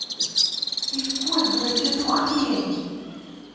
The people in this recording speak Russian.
использовать это хрень